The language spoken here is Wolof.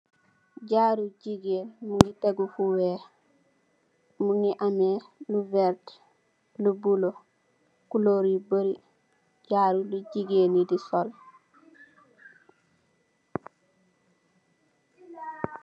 Jaaru jigeen mogi tegu fu weex mogi ameh lu vertah lu bulo colur yu baari jaaru bi jigeen yi di sol.